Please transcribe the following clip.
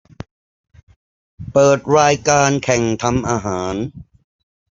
เปิดรายการแข่งทำอาหาร